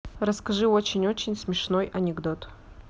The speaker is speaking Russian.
расскажи очень очень смешной анекдот